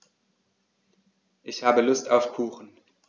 Ich habe Lust auf Kuchen.